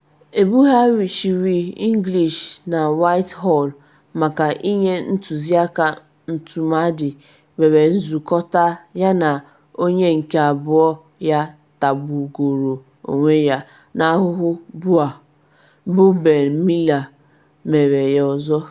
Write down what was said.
Ebughachiri English na Whitehall maka inye ntuziaka ntụmadị were zukọta yana onye nke abụọ ya tagbugoro onwe ya n’ahụhụ Bough, bụ Ben Miller mere ya ọzọ.